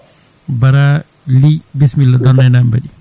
Bara Ly bisimilla no Beeli Naayi naaɓe mbaɗi